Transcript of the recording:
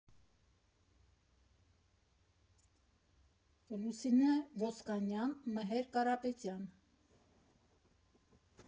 Լուսինե Ոսկանյան Մհեր Կարապետյան։